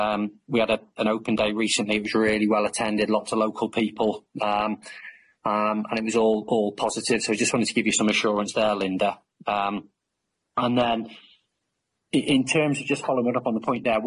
um we had a an open day recently it was really well attended lots of local people um and it was all all positive so I just wanted to give you some assurance there Linda um and then in terms of just following it up on the point there.